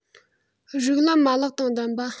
རིགས ལམ མ ལག དང ལྡན པ